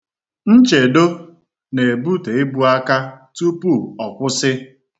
Nchedo na-ebute ibu aka tupu ọ kwụsị.